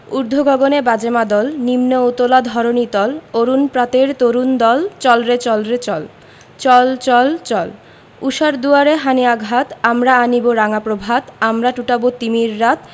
ঊর্ধ্ব গগনে বাজে মাদল নিম্নে উতলা ধরণি তল অরুণ প্রাতের তরুণ দল চল রে চল রে চল চল চল চল ঊষার দুয়ারে হানি আঘাত আমরা আনিব রাঙা প্রভাত আমরা টুটাব তিমির রাত